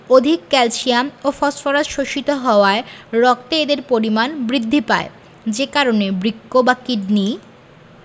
অধিক ক্যালসিয়াম ও ফসফরাস শোষিত হওয়ায় রক্তে এদের পরিমাণ বৃদ্ধি পায় যে কারণে বৃক্ক বা কিডনি